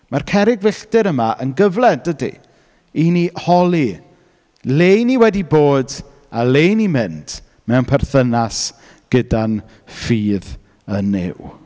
Mae'r cerrig filltir yma yn gyfle, yn dydy, i ni holi le 'y ni wedi bod a le 'y ni’n mynd mewn perthynas gyda'n ffydd yn Nuw.